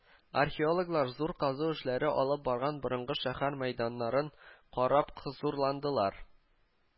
Археологлар зур казу эшләре алып барган борынгы шәһәр мәйданнарын карап хозурландылар